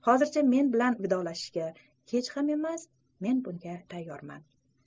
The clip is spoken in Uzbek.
hozircha men bilan vidolashishga kech emas va men bunga tayyorman